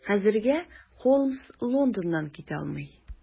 Хәзергә Холмс Лондоннан китә алмый.